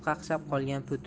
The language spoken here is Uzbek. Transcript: qaqshab qolgan put